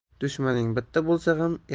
dushmaning bitta bo'lsa